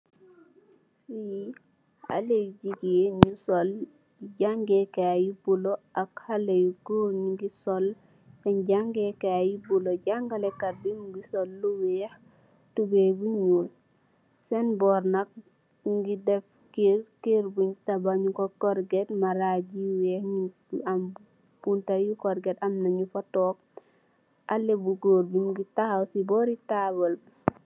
Li xale yu jigeen yu sol jànge kai yu bulo ak xale yu goor ñyugi sol sen jànge kai bu bulo jangele kat bu mogi sol yere bu weex tubay bu nuul sen bor nak mogi def keur keur bun tabah nyun ko korget marag bu weex bu am bunta bu korget amna nyufa tog xale bu góor bi mogi taxaw si bori taabul bi.